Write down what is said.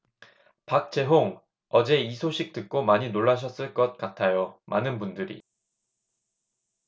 박재홍 어제 이 소식 듣고 많이 놀라셨을 것 같아요 많은 분들이